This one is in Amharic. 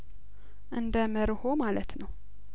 እንደ መርሆ ማለት ነው